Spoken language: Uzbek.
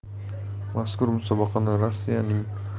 mazkur musobaqani rossiyaning ren